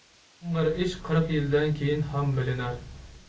qing'ir ish qirq yildan keyin ham bilinar